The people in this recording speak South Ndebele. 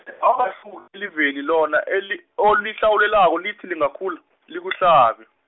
eliveli, lona eli- olihlawulelako lithi lingakhula, likuhlabe.